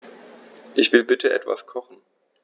Ich will bitte etwas kochen.